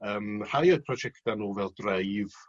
yym rhai o'i projecta n'w fel Drive